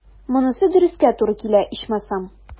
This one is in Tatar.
Монысы дөрескә туры килә, ичмасам.